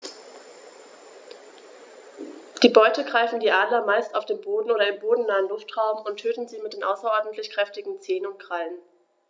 Die Beute greifen die Adler meist auf dem Boden oder im bodennahen Luftraum und töten sie mit den außerordentlich kräftigen Zehen und Krallen.